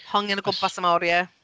Hongian o gwmpas am oriau.